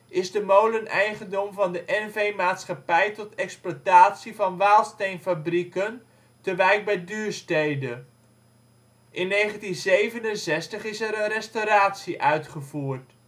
is de molen eigendom van de N.V. Maatschappij tot exploitatie van Waalsteenfabrieken te Wijk bij Duurstede. In 1967 is er een restauratie uitgevoerd